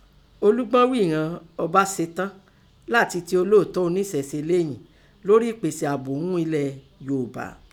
Olúgbọ́n ghíi ìnan ọba setán látin ti ọlọ́ọ̀ọ́tọ́ ọníṣẹ̀ṣé lêyìn lórí ẹ̀pèsè ààbò ún elẹ̀ Yoòbá.